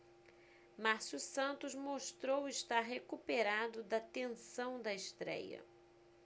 márcio santos mostrou estar recuperado da tensão da estréia